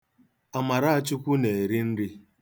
Amarachukwu na-eri nri.